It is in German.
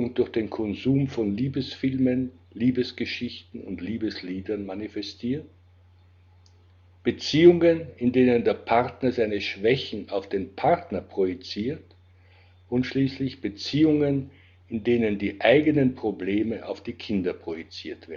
durch den Konsum von Liebesfilmen, - geschichten und - liedern manifestiert; Beziehungen, in denen der Partner seine Schwächen auf den Partner projiziert; Beziehungen, in denen die eigenen Probleme auf die Kinder projiziert